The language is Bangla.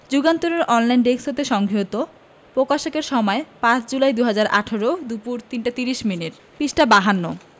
যুগান্তর এর অনলাইন ডেস্ক হতে সংগৃহীত পকাশকের সময় ৫ জুলাই ২০১৮ দুপুর ৩টা ৩০ মিনিট পৃষ্টা ৫২